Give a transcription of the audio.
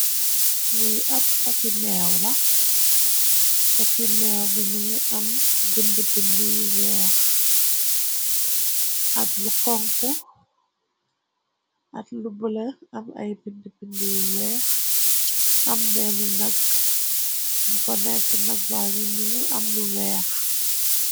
Lii ab poti meew la, poti meew bi mungi am bind bindi yu weex at lu xonku ak lu bula am ay bind bindi yu weex. Am benn nag bu fa nekk nag ba ngi nuul am lu weex.